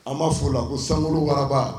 An ma fɔ la ko san wararaba